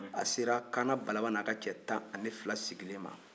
a sera kaana balaba n'a ka cɛ tan ni fila sigilen ma